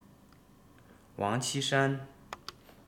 ཝང ཆི ཧྲན